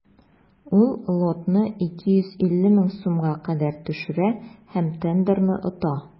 Ул лотны 250 мең сумга кадәр төшерә һәм тендерны ота.